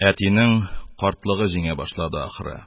Әтинең картлыгы җиңә башлады, ахры.